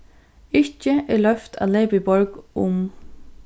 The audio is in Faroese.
ikki er loyvt at leypa í borg um